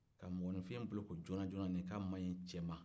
ka mɔgɔninfin boloko jɔɔna-jɔɔna nin k'a ma ɲi cɛ ma